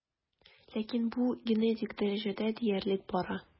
Ләкин бу генетик дәрәҗәдә диярлек бара.